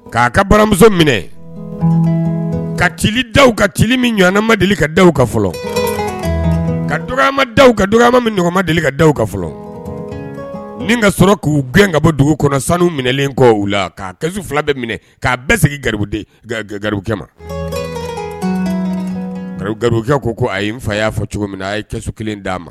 K'a ka baramuso minɛ ka ci da ka ci min ɲanama deli ka da ka fɔlɔ kama da kama min ɲɔgɔma deli ka aw ka fɔlɔ nin ka sɔrɔ k'u gɛn ka bɔ dugu kɔnɔ sanu minɛen kɔ u la ka kɛsu fila bɛ minɛ k'a bɛɛ segin ga ga gakɛ ma gari garkɛ ko ko a ye n fa y'a fɔ cogo min na a yesu kelen d'a ma